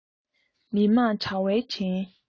མི དམངས དྲ བའི འཕྲིན